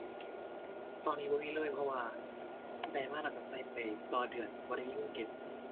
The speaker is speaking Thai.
ตอนนี้บ่มีเลยเพราะว่า ได้มาแล้วก็ก็ไป ต่อเดือน บ่ได้มีเงินเก็บ